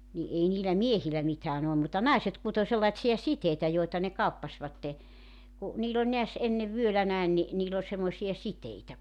niin ei niillä miehillä mitään ollut mutta naiset kutoi sellaisia siteitä joita ne kauppasivat kun niillä oli näet ennen vyöllä näin niin niillä oli semmoisia siteitä